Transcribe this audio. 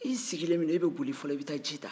e min sigilen don i bɛ boli i bɛ taa ji ta